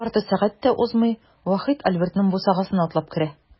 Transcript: Ярты сәгать тә узмый, Вахит Альбертның бусагасын атлап керә.